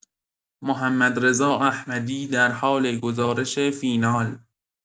محمدرضا احمدی در حال گزارش فینال